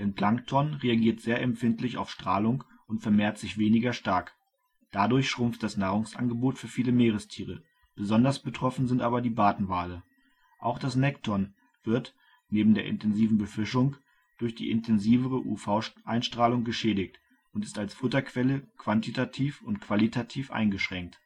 Plankton reagiert sehr empfindlich auf Strahlung und vermehrt sich weniger stark. Dadurch schrumpft das Nahrungsangebot für viele Meerestiere, besonders betroffen sind aber die Bartenwale. Auch das Nekton wird, neben der intensiven Befischung, durch die intensivere UV-Einstrahlung geschädigt und ist als Futterquelle quantitativ und qualitativ eingeschränkt